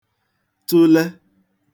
tụle